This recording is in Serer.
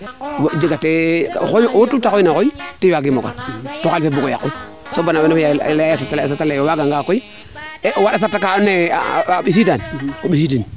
wo jega tee o auto luu te xooyna xooy te wagin mo xot to xalis fee bugo yaqu so de leya ye a sartale a waaga nga koy o waanda a sarta ka ando naye a ɓisiidaan o ɓisiidin